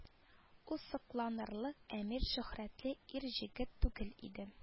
Ул сокланырлык әмир шөһрәтле ир-җегет түгел иде